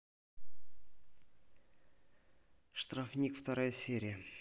штрафник вторая серия